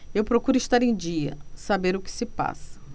eu procuro estar em dia saber o que se passa